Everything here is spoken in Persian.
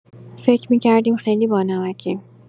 فکر می‌کردیم خیلی بانمکیم